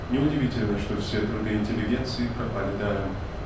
Неудивительно, что все труды интеллигенции пропали даром.